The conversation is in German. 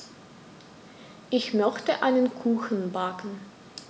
Ich möchte einen Kuchen backen.